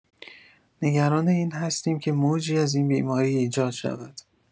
نگران این هستیم که موجی از این بیماری ایجاد شود.